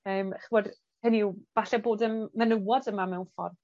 yym ch'mod, hynny yw, falle bod y m- menywod yma mewn ffordd